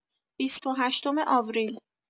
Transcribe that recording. بیست و هشتم آوریل